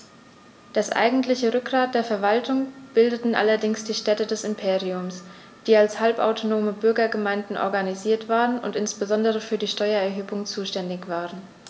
Das eigentliche Rückgrat der Verwaltung bildeten allerdings die Städte des Imperiums, die als halbautonome Bürgergemeinden organisiert waren und insbesondere für die Steuererhebung zuständig waren.